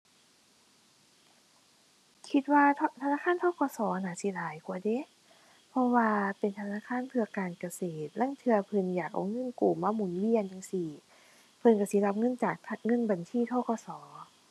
คิดว่า ธะ ธนาคาร ธ.ก.ส. น่าสิหลายกว่าเดะ เพราะว่าเป็นธนาคารเพื่อการเกษตร ลางเทื่อเพิ่นอยากเอาเงินกู้มาหมุนเวียนจั่งซี้ เพิ่นก็สิรับเงินจาก ธะ เงินบัญชี ธ.ก.ส.